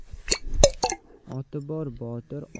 oti bor botir